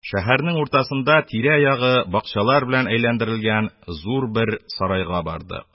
Шәһәрнең уртасында тирә-ягы бакчалар белән әйләндерелгән зур бер сарайга бардык,